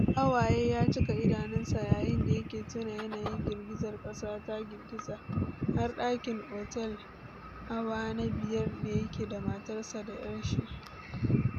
Hawaye ya cika idanunsa yayin da yake tuna yanayin girgizar kasa ta girgiza har dakin otel hawa na biyar da yake da matarsa ​​da 'yar shi.